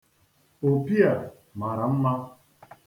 Opi a mara mma.